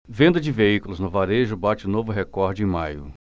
venda de veículos no varejo bate novo recorde em maio